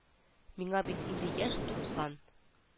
Миңа бит инде яшь тук сан